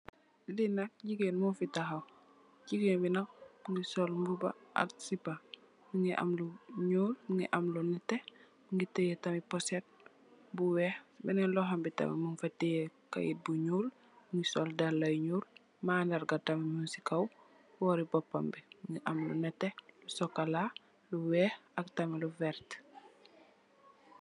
Li nak jigeen mogi taxaw jigeen bi nak mongi sol mbuba ak sipa mongi am lu nuul mongi am lu nete tex tiye tamit poset bu weex beneen loxombi tamit munfa tiye keyt bu nuul mo sol dala yu nuul mandarga tamit mung si kaw bori mbopam bi mungi am lu netex cxocola lu weex ak tam ku verta.